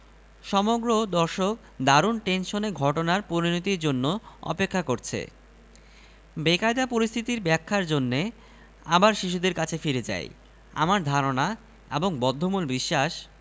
সভাপতি ভাবলেন যেহেতু মেয়ে কাজেই সে নিশ্চয়ই হ্যাণ্ডশেক করবে না মেয়েটি হ্যাণ্ডশেক করতে গিয়ে লজ্জিত হয়ে লক্ষ্য করল সভাপতি হাত বাড়াচ্ছেন না সে লাল হয়ে হাত নামিয়ে নিল